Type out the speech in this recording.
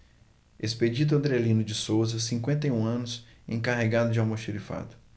expedito andrelino de souza cinquenta e um anos encarregado de almoxarifado